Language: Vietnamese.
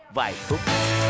vài phút